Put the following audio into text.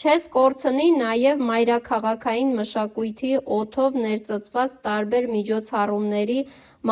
Չես կորցնի նաև մայրաքաղաքային մշակույթի օդով ներծծված տարբեր միջոցառումների